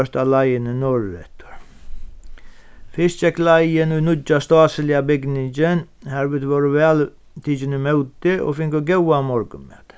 gjørt á leiðini norðureftir fyrst gekk leiðin í nýggja stásiliga bygningin har vit vórðu væl tikin ímóti og fingu góðan morgunmat